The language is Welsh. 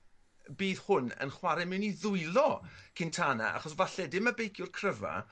bydd hwn yn chware mewn i ddwylo Quintana achos falle dim y beiciwr cryfa